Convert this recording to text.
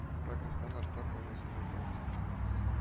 Прогресстан артта калмыйсыз икән